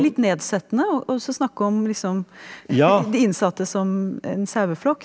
litt nedsettende å og så snakke om liksom de innsatte som en saueflokk.